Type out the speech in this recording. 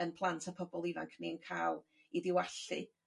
'yn plant â pobol ifanc ni'n ca'l i di walltu